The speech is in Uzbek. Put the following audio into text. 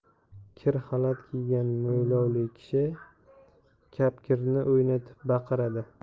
kir xalat kiygan mo'ylovli kishi kapgirni o'ynatib baqiradi